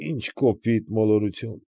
Ի՜նչ կոպիտ մոլորություն։